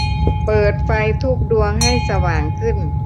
เปิดไฟทุกดวงให้สว่างขึ้น